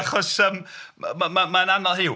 Achos yym m- m- mae'n annodd, hynny yw...